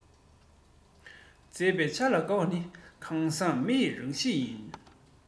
མཛེས པའི ཆ ལ དགའ བ ནི གང ཟག མི ཡི རང གཤིས ཡིན